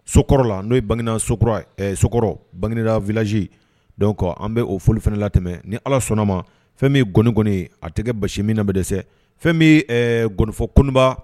Sokɔrɔ la n'o ye Bagineda sokura ye, ɛ sokɔrɔ Bagineda village, donc an bɛ o foli fana latɛmɛ ni Ala sɔnn'a ma fɛn min ye gɔnigɔni ye a tɛ basi min na bɛ dɛsɛ fɛn min ɛ gɔnifɔ Koniba